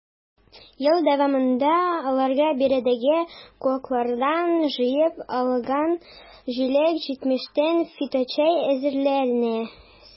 Ел дәвамында аларга биредәге куаклардан җыеп алынган җиләк-җимештән фиточәй әзерләнә.